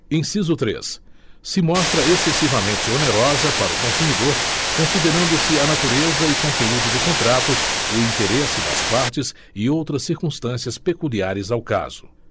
inciso três se mostra excessivamente onerosa para o consumidor considerando se a natureza e conteúdo do contrato o interesse das partes e outras circunstâncias peculiares ao caso